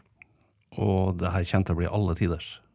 og det her kommer til å bli alle tiders.